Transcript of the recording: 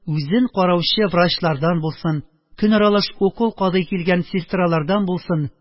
Үзен караучы врачлардан булсын, көнаралаш укол кадый килгән сестралардан булсын,